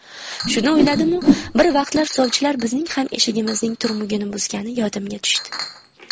shuni o'yladimu bir vaqtlar sovchilar bizning ham eshigimizning turmugini buzgani yodimga tushdi